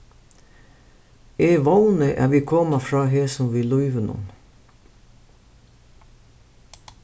eg vóni at vit koma frá hesum við lívinum